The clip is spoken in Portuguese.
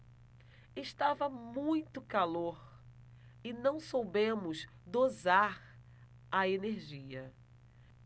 estava muito calor e não soubemos dosar a energia